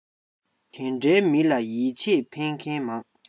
དེ འདྲའི མི ལ ཡིད ཆེས ཕན མཁན མང